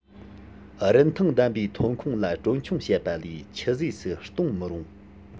རིན ཐང ལྡན པའི ཐོན ཁུངས ལ གྲོན ཆུང བྱེད པ ལས ཆུད ཟོས སུ གཏོང མི རུང